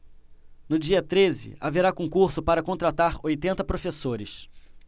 no dia treze haverá concurso para contratar oitenta professores